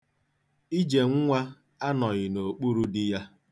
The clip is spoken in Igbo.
Ijenwa anọghị n'okpuru di ya.